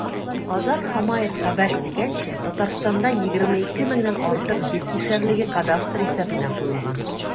Азат Хамаев хәбәр иткәнчә, Татарстанда 22 меңнән артык җир кишәрлеге кадастр исәбенә куелган.